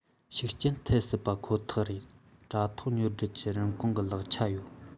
ཤུགས རྐྱེན ཐེབས སྲིད པ ཁོ ཐག རེད དྲ ཐོག ཉོ སྒྲུབ ཀྱི རིན གོང གི ལེགས ཆ ཡོད